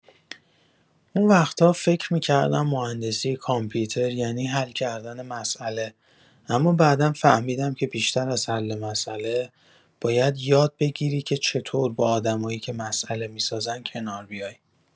اون وقتا فکر می‌کردم مهندسی کامپیوتر یعنی حل کردن مساله، اما بعدا فهمیدم که بیشتر از حل مساله، باید یاد بگیری که چطور با آدمایی که مساله می‌سازن، کنار بیای.